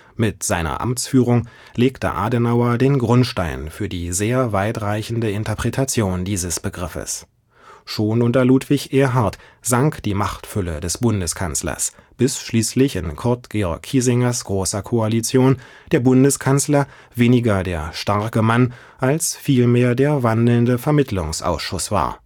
Mit seiner Amtsführung legte Adenauer den Grundstein für die sehr weit reichende Interpretation dieses Begriffes. Schon unter Ludwig Erhard sank die Machtfülle des Bundeskanzlers, bis schließlich in Kurt Georg Kiesingers großer Koalition der Bundeskanzler weniger der „ starke Mann “als vielmehr der „ wandelnde Vermittlungsausschuss “war